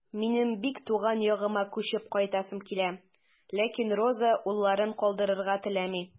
Минем бик туган ягыма күчеп кайтасым килә, ләкин Роза улларын калдырырга теләми.